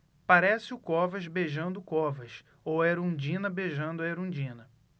parece o covas beijando o covas ou a erundina beijando a erundina